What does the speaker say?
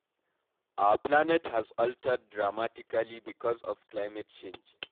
Our planet has altered dramatically because of climate change.”